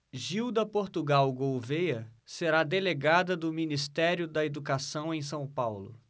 gilda portugal gouvêa será delegada do ministério da educação em são paulo